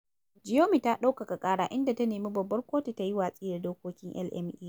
Gyumi ta ɗaukaka ƙara inda ta nemi Babbar Kotu da ta yi watsi da dokokin LMA.